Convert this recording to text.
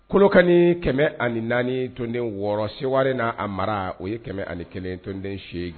Kolonkani kɛmɛ ani naani ntden wɔɔrɔ sewaren n' a mara o ye kɛmɛ ani kelentɔnden si